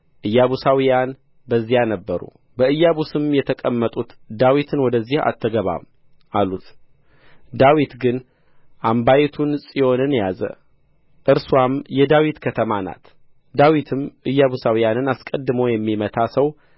ኢያቡሳውያን በዚያ ነበሩ በኢያቡስም የተቀመጡ ዳዊትን ወደዚህ አትገባም አሉት ዳዊት ግን አምባይቱን ጽዮንን ያዘ እርሷም የዳዊት ከተማ ናት ዳዊትም ኢያቡሳውያንን አስቀድሞ የሚመታ ሰው